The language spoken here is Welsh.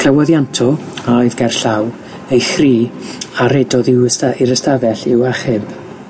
Clywodd Ianto, a oedd gerllaw, ei chri a rhedodd i'w yst- i'r ystafell i'w achub.